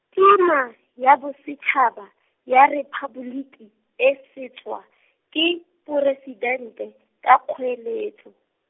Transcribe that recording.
Pina, ya bosetšhaba, ya Rephaboliki, e swetswa, ke Poresidente, ka kgoeletso.